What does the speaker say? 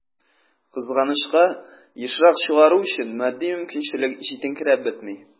Кызганычка, ешрак чыгару өчен матди мөмкинчелек җитенкерәп бетми.